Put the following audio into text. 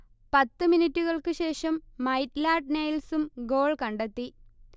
പത്ത് മിനുട്ടുകൾക്ക് ശേഷം മൈറ്റ്ലാഡ് നൈൽസും ഗോൾ കണ്ടെത്തി